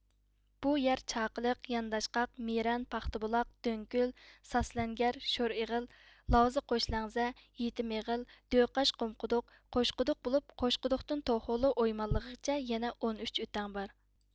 بۇ يەر چاقىلىق يانداشقاق مىرەن پاختابۇلاق دۆڭكۆل ساسلەنگەر شورئېغىل لاۋزا قوشلەڭزە يېتىم ئېغىل دۆقاش قۇمقۇدۇق قوشقۇدۇق بولۇپ قوشقۇدۇقتىن توخولۇ ئويمانلىغىغىچە يەنە ئون ئۈچ ئۆتەڭ بار